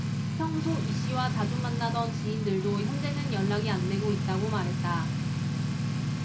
평소 이씨와 자주 만나던 지인들도 현재는 연락이 안되고 있다고 말했다